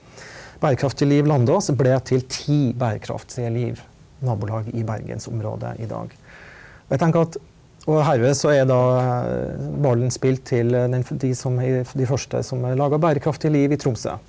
Bærekraftige liv Landås ble til ti Bærekraftige liv-nabolag i Bergensområdet i dag og jeg tenker at og herved så er da ballen spilt til den de som de første som lager Bærekraftige liv i Tromsø.